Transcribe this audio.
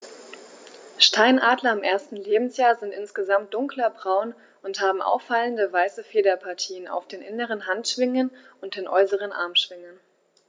Steinadler im ersten Lebensjahr sind insgesamt dunkler braun und haben auffallende, weiße Federpartien auf den inneren Handschwingen und den äußeren Armschwingen.